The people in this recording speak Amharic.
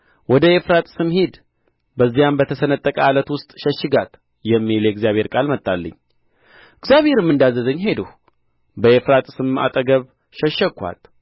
ወደ ኤፍራጥስም ሂድ በዚያም በተሰነጠቀ ዓለት ውስጥ ሸሽጋት የሚል የእግዚአብሔር ቃል መጣልኝ እግዚአብሔርም እንዳዘዘኝ ሄድሁ በኤፍራጥስም አጠገብ ሸሸግኋት